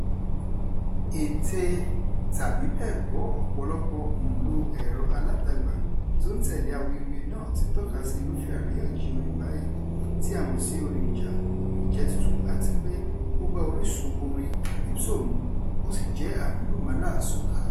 Ète tàbí bẹ́ẹ̀ kọ́, ọ̀pọ̀lọpọ̀ òǹlo ẹ̀rọ-alátagbà tó ń tẹ̀lé awuyewuye náà ti tọ́ka sí irúfẹ́ àríyànjiyàn orin báyìí (tí a mọ̀ sí "orin ìjà") kò jẹ́ tuntun; àti pé, ó bá orísun orin calypso mu, ó sì jẹ́ àmúlùmálà, soca.